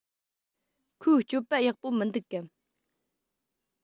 ཁོའི སྤྱོད པ ཡག པོ མི འདུག གམ